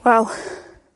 Wel,